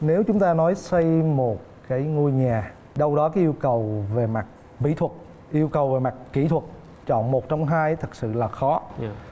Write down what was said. nếu chúng ta nói xây một cây ngôi nhà đâu đó yêu cầu về mặt mỹ thuật yêu cầu về mặt kỹ thuật chọn một trong hai thật sự là khó